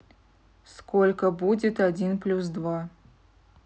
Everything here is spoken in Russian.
сколько будет один плюс два